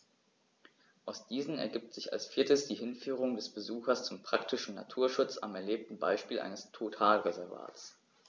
Aus diesen ergibt sich als viertes die Hinführung des Besuchers zum praktischen Naturschutz am erlebten Beispiel eines Totalreservats.